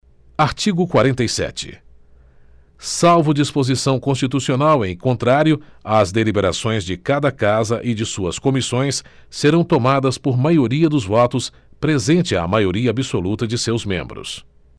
artigo quarenta e sete salvo disposição constitucional em contrário as deliberações de cada casa e de suas comissões serão tomadas por maioria dos votos presente a maioria absoluta de seus membros